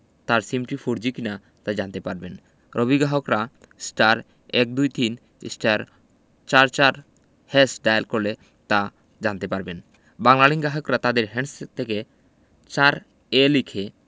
তার সিমটি ফোরজি কিনা তা জানতে পারবেন রবি গাহকরা *১২৩*৪৪# ডায়াল করে তা জানতে পারবেন বাংলালিংকের গাহকরা তাদের হ্যান্ডসেট থেকে ৪ এ লিখে